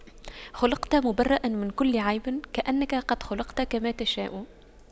خلقت مُبَرَّأً من كل عيب كأنك قد خُلقْتَ كما تشاء